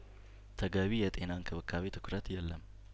ተገቢ የጤና እንክብካቤ ትኩረት የለም